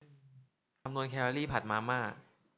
คำนวณแคลอรี่ผัดมาม่า